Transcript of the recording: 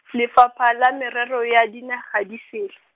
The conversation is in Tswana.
Lefapha la Merero ya Dinaga di Sele.